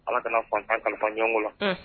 Ala kanatan kalifa ɲɔgɔngo la